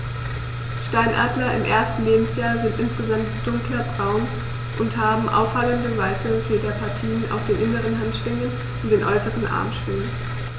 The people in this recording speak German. Steinadler im ersten Lebensjahr sind insgesamt dunkler braun und haben auffallende, weiße Federpartien auf den inneren Handschwingen und den äußeren Armschwingen.